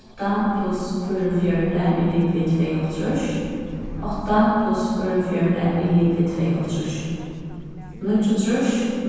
átta pluss fýraogfjøruti er ligvið tveyoghálvtrýss átta pluss fýraogfjøruti er ligvið tveyoghálvtrýss níggjuogtrýss